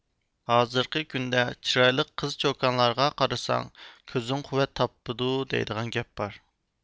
ھازىرقى كۈندە چىرايلىق قىز چوكانلارغا قارىساڭ كۆزۈڭ قۇۋۋەت تاپىدۇ دەيدىغان گەپ بار